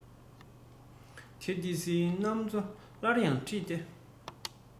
ཐེ རྡི སིའི གནའ མཚོ སླར ཡང བྲི སྟེ